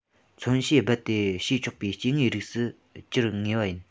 མཚོན བྱེད རྦད དེ བྱས ཆོག པའི སྐྱེ དངོས རིགས སུ འགྱུར ངེས པ ཡིན